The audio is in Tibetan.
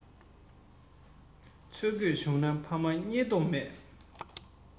འཚོལ དགོས བྱུང ན ཕ མ རྙེད མདོག མེད